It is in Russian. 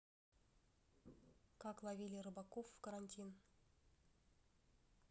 как ловили рыбаков в карантин